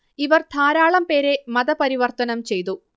ഇവർ ധാരാളം പേരെ മത പരിവർത്തനം ചെയ്തു